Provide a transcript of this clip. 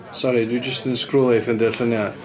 Sori dwi jyst yn scrowlio i ffeindio'r lluniau.